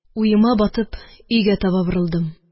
Уема батып, өйгә таба борылдым.